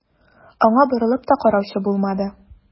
Аңа борылып та караучы булмады.